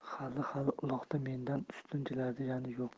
ha hali uloqda mendan ustun keladigani yo'q